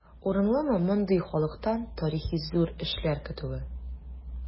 Урынлымы мондый халыктан тарихи зур эшләр көтүе?